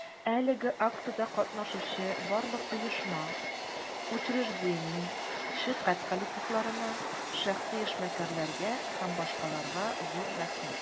Әлеге акциядә катнашучы барлык оешма, учреждение, ширкәт коллективларына, шәхси эшмәкәрләргә һ.б. зур рәхмәт!